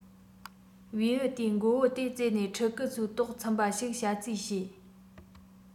བེའུ དེའི མགོ བོ དེ བཙོས ནས ཕྲུ གུ ཚོའི ལྟོགས ཚིམས པ ཞིག བྱ རྩིས བྱས